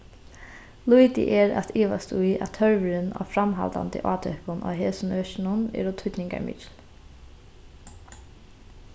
lítið er at ivast í at tørvurin á framhaldandi átøkum á hesum økinum eru týdningarmikil